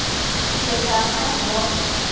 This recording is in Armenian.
Իսկ եթե ասենք, որ…